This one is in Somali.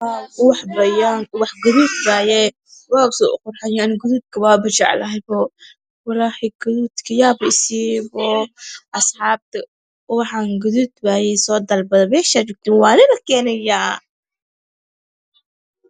ubax waaye ubax gaduud waaye waaw sida uu uquruxanyahay ubax gaduudka waa baa jeceylahay wllhi gaduudka yaaba isiiya buu asaxabta ubaxan gaduud waaye soo dalbad meesh joogta waa la idiin keenayaa